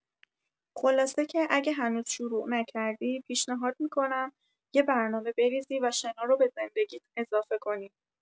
خلاصه که اگه هنوز شروع نکردی، پیشنهاد می‌کنم یه برنامه بریزی و شنا رو به زندگیت اضافه کنی.